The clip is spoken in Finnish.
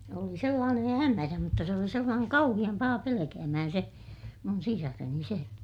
oli sellainen hämärä mutta se oli sellainen kauhean paha pelkäämään se minun sisareni se